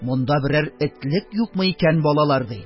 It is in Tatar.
Монда берәр этлек юкмы икән, балалар, - ди.